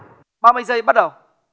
ba mươi giây bắt đầu